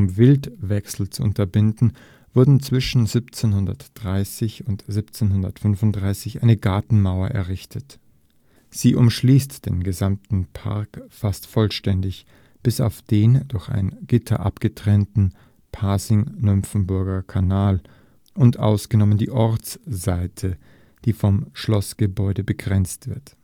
Wildwechsel zu unterbinden, wurde zwischen 1730 und 1735 eine Gartenmauer errichtet. Sie umschließt den gesamten Park fast vollständig bis auf den durch ein Gitter abgetrennten Pasing-Nymphenburger Kanal und ausgenommen die Ostseite, die vom Schlossgebäude begrenzt wird